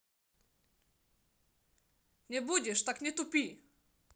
не будешь так не тупи